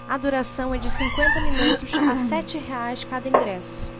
a duração é de cinquenta minutos a sete reais cada ingresso